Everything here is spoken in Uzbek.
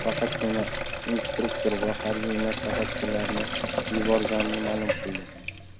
faqatgina instruktor va harbiy maslahatchilarni yuborganini ma'lum qilgandi